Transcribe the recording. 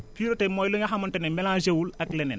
pureté mooy li nga xamante ne mélangé wul ak leneen